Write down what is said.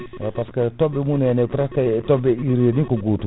par ce que tobɓe mum e presque e tobɓe urée ko gotum